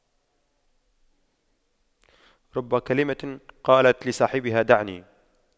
رب كلمة قالت لصاحبها دعني